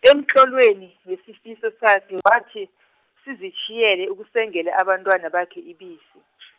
emtlolweni, wesifiso sakhe wathi, sizitjhiyele ukusengela abantwana bakhe ibisi .